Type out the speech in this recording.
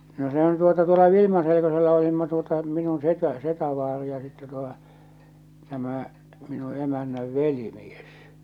no sehän tuota tuolla Vilmaselkosella olimme tuota minun setä setävaari ja sitten tuota tämä minun emännän velimies